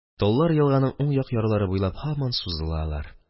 Таллар елганың уң як ярлары буйлап һаман сузылалар.